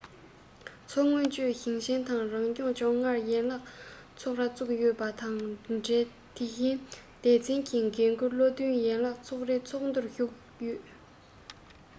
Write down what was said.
མཚོ སྔོན བཅས ཞིང ཆེན དང རང སྐྱོང ལྗོངས ལྔར ཡན ལག ཚོགས ར བཙུགས ཡོད པ དང འབྲེལ དེ བཞིན སྡེ ཚན གྱི འགན ཁུར བློ མཐུན ཡན ལག ཚོགས རའི ཚོགས འདུར ཞུགས ཡོད